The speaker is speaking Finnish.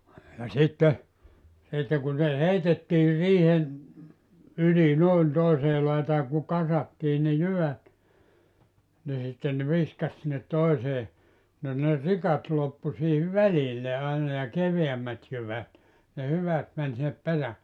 ja sitten sitten kun se heitettiin riihen yli noin toiseen laitaan kun kasattiin ne jyvät niin sitten ne viskasi sinne toiseen no ne rikat loppui siihen välille aina ja keveämmät jyvät ne hyvät meni sinne perälle